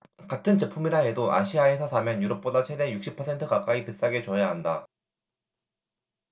같은 제품이라 해도 아시아에서 사면 유럽보다 최대 육십 퍼센트 가까이 비싸게 줘야 한다